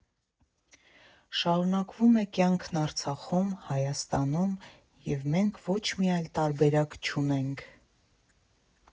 Շարունակվում է կյանքն Արցախում, Հայաստանում, և մենք ոչ մի այլ տարբերակ չունենք։